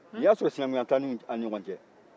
nin y'a sɔrɔ sinankunya t'an ni ɲɔgɔn cɛ